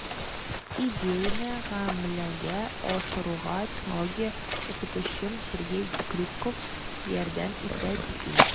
Идеяне гамәлгә ашыруга технология укытучым Сергей Крючков ярдәм итте, - ди ул.